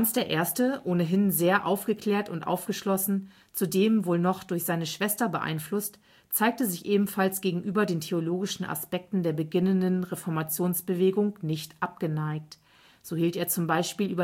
I., ohnehin sehr aufgeklärt und aufgeschlossen, zudem wohl noch durch seine Schwester beeinflusst, zeigte sich ebenfalls gegenüber den theologischen Aspekten der beginnenden Reformationsbewegung nicht abgeneigt. So hielt er zum Beispiel